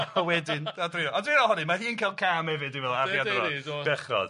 A wedyn... ond druan ohoni, ma' hi'n cael cam hefyd dwi'n meddwl, Arianrhod, bechod.